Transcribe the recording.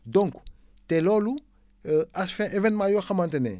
donc te loolu as fee événement yoo xamante ne